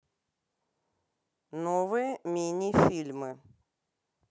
новые мини фильмы